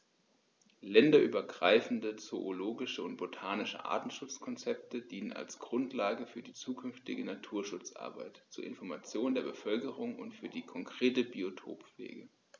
Länderübergreifende zoologische und botanische Artenschutzkonzepte dienen als Grundlage für die zukünftige Naturschutzarbeit, zur Information der Bevölkerung und für die konkrete Biotoppflege.